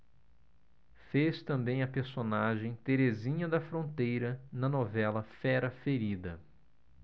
fez também a personagem terezinha da fronteira na novela fera ferida